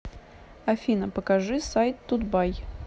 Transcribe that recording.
афина покажи сайт тутбай